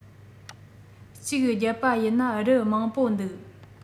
གཅིག རྒྱབ པ ཡིན ན རུ མང པོ འདུག